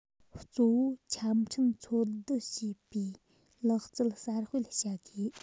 གཙོ བོ ཆ འཕྲིན འཚོལ སྡུད བྱེད པའི ལག རྩལ གསར སྤེལ བྱ དགོས